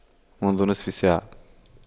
منذ نصف ساعة